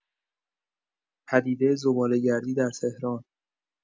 پدیده زباله‌گردی در تهران